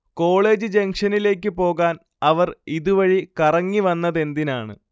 'college ജംഗ്ഷനിലേക്കു പോകാൻഅവർ ഇതു വഴി കറങ്ങി വന്നതെന്തിനാണ്'